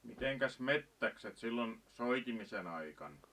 mitenkäs metsäkset silloin soitimisen aikana